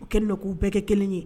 U kɛlen na k'u bɛɛ kɛ kelen ye